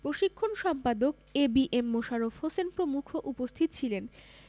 প্রশিক্ষণ সম্পাদক A B M Mosharraf Hossain প্রমুখ উপস্থিত ছিলেন